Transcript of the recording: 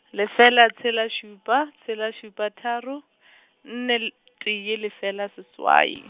lefela tshela šupa, tshela šupa tharo, nne l-, tee lefela seswai.